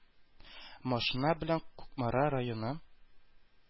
Машина белән Кукмара районы,